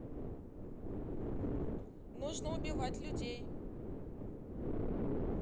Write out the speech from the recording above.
нужно убивать людей